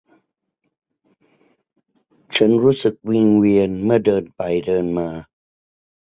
ฉันรู้สึกวิงเวียนเมื่อเดินไปเดินมา